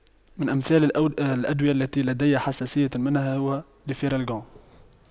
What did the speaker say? من امثال الأدوية التي لدي حساسية منها هو ليفيرالكون